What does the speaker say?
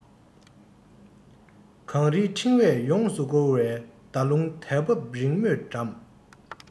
གངས རིའི འཕྲེང བས ཡོངས སུ བསྐོར བའི ཟླ ཀླུང དལ འབབ རིང མོས འགྲམ